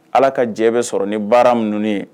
Ala ka jɛ bɛ sɔrɔ ni baara ninnu ye